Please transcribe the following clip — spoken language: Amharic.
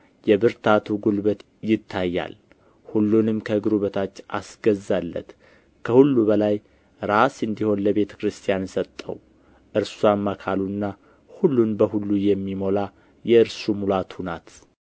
የብርታቱ ጉልበት ይታያል ሁሉንም ከእግሩ በታች አስገዛለት ከሁሉ በላይም ራስ እንዲሆን ለቤተ ክርስቲያን ሰጠው እርስዋም አካሉና ሁሉን በሁሉ የሚሞላ የእርሱ ሙላቱ ናት